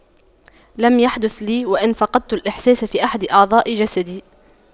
لم يحدث لي وأن فقدت الإحساس في أحد اعضاء جسدي